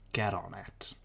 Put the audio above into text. Get on it.